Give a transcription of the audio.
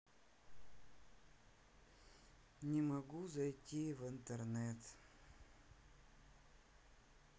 не могу зайти в интернет